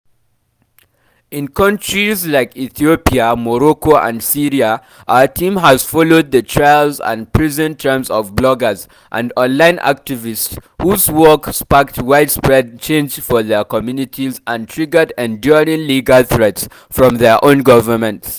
In countries like Ethiopia, Morocco and Syria our team has followed the trials and prison terms of bloggers and online activists whose work sparked widespread change for their communities and triggered enduring legal threats from their own governments.